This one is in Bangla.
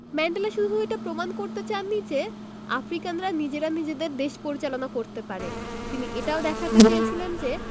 ম্যান্ডেলা শুধু এটা প্রমাণ করতে চাননি যে আফ্রিকানরা নিজেরা নিজেদের দেশ পরিচালনা করতে পারে তিনি এটাও দেখাতে চেয়েছিলেন যে